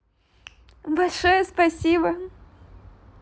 большое спасибо